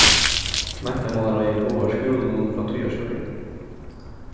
mentamálaráðið boðar skúlunum frá tíðarskeiðnum